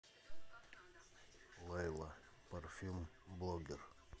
лейла парфюм блогер